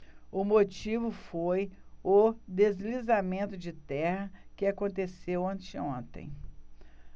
o motivo foi o deslizamento de terra que aconteceu anteontem